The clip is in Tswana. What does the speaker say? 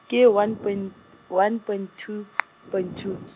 ke one point, one point two , point two .